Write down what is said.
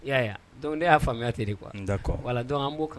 I ya ye a. Donc ne ya faamuya ten de quoi. d'accord . Voilà donc an bo